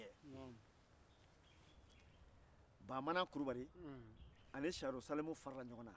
nɔ tɛ ni i ye i sigi masaw kɔrɔ kuma kɔrɔ ko kɔrɔ i bɛ i yɛrɛ don ka sɔrɔ i ma mɔgɔ ɲini ka